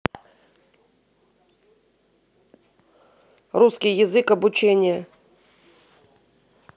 русский язык обучение